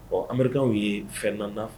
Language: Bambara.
Ɔ anbariw ye fɛn na